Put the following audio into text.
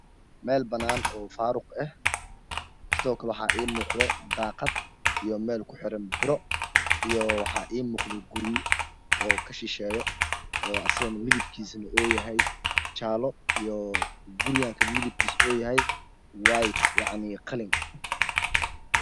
Meel banaan oo faaruq ah sidoo kale waxaa ii muuqda daaqad iyo meel ku xiran biro iyo waxaa ii muuqda guryo oo la shisheeyo oo asagana midabkiisana uu yahay jaalo iyo gurigaan kale midabkiisa uu yahay white yacni qalin